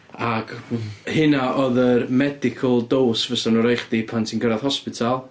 Ac hynna oedd yr medical dose fysen nhw'n rhoi i chdi pan ti'n cyrraedd hospital.